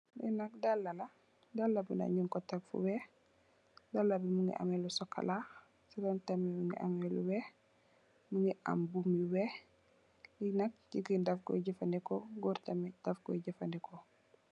Li nak daala la daala bi nak nyungko tekk fu weih daala bi Mungi ameh lu sokola sey run tamit Mungi ameh lu weih Mungi am buum yu weih li nak gigain daff koi jefandeko gorr tamit daff koi jefandeko .